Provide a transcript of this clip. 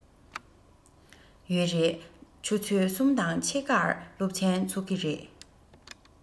ཡོད རེད ཆུ ཚོད གསུམ དང ཕྱེད ཀར སློབ ཚན ཚུགས ཀྱི རེད